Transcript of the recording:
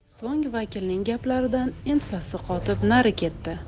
so'ng vakilning gaplaridan ensasi qotib nari ketdi